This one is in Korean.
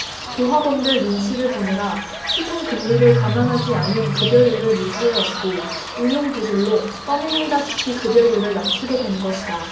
조합원들 눈치를 보느라 시중 금리를 감안하지 않은 급여율을 유지해왔고 운용 부실로 떠밀리다시피 급여율을 낮추게 된 것이다